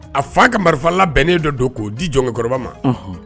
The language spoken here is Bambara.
A fa ka marifala bɛnnen dɔ don ko'o di jɔn kɔrɔ ma